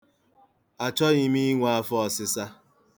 Achọghị m inwe afọọsịsa.